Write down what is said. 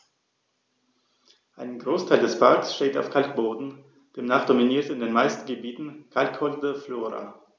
Ein Großteil des Parks steht auf Kalkboden, demnach dominiert in den meisten Gebieten kalkholde Flora.